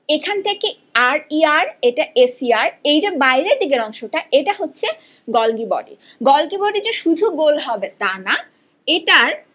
এখান থেকে R E R এটা এস ই আর এ যে বাইরের দিকের অংশটা এটা হচ্ছে গলগী বডি গলগী বডি যে শুধু গোল হবে তা না এটার